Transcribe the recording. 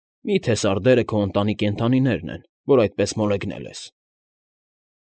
Մի՞թե սարդերը քո ընտանի կենդանիներն են, որ այդպես մոլեգնել ես։